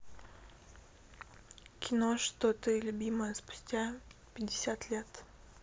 кино что ты любимое спустя пятьдесят лет